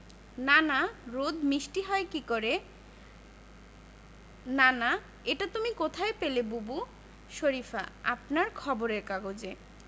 নানা রোদ মিষ্টি হয় কী করে নানা এটা তুমি কোথায় পেলে বুবু শরিফা আপনার খবরের কাগজে